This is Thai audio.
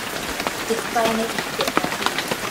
ปิดไฟในอีกเจ็ดนาที